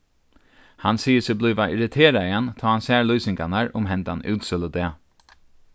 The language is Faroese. hann sigur seg blíva irriteraðan tá hann sær lýsingarnar um hendan útsøludag